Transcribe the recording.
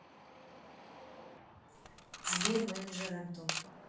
сбер менеджер антон